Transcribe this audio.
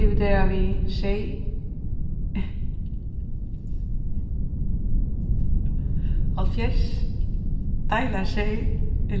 dividerað við sjey hálvfjerðs deila sjey